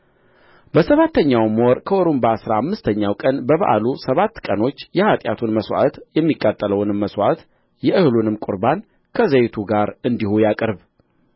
በሰባተኛውም ወር ከወሩም በአሥራ አምስተኛው ቀን በበዓሉ ሰባት ቀኖች የኃጢአቱን መሥዋዕት የሚቃጠለውንም መሥዋዕት የእህሉንም ቍርባን ከዘይቱ ጋር እንዲሁ ያቅርብ